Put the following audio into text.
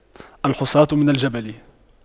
الحصاة من الجبل